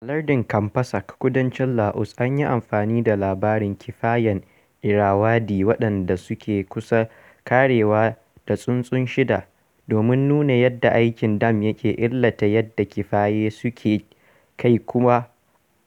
A lardin Champasak, kudancin Laos, an yi amfani da labarin kifayen Irrawaddy waɗanda suka kusa ƙarewa da tsuntsun Sida domin nuna yadda aikin dam yake illata yadda kifaye suke kai-kawo